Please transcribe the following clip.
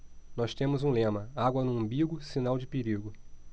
nós temos um lema água no umbigo sinal de perigo